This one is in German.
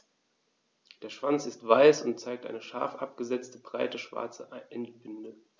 Der Schwanz ist weiß und zeigt eine scharf abgesetzte, breite schwarze Endbinde.